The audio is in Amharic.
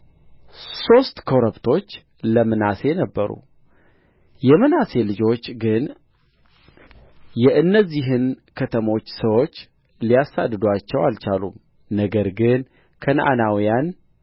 ሦስቱ ኮረብቶች ለምናሴ ነበሩ የምናሴ ልጆች ግን የእነዚህን ከተሞች ሰዎች ሊያሳድዱአቸው አልቻሉም ነገር ግን ከነዓናውያን